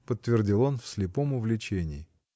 — подтвердил он в слепом увлечении.